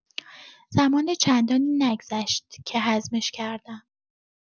زمان چندانی نگذشت که هضمش کردم.